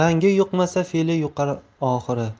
rangi yuqmas fe'li yuqar oxiri